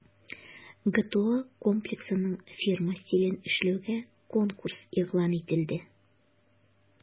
ГТО Комплексының фирма стилен эшләүгә конкурс игълан ителде.